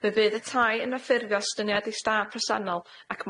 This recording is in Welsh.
Fe fydd y tai yn y ffurfio estuniad i stad presennol ac